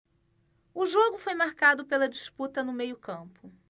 o jogo foi marcado pela disputa no meio campo